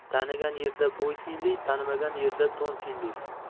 tanigan yerda bo'y siyli tanimagan yerda to'n siyli